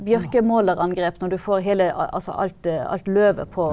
bjørkemålerangrep når du får hele altså alt alt løvet på.